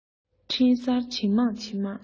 འཕྲིན གསར ཇེ མང ཇེ མང